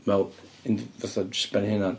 Fel un fatha jyst ben ei hunan.